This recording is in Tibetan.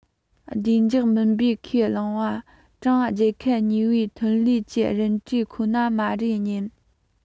བདེ འཇགས མིན པའི ཁས བླངས པ ཀྲུང རྒྱལ ཁབ གཉིས པོའི ཐོན ལས ཀྱི རིམ གྲས ཁོ ན མ རེད སྙམ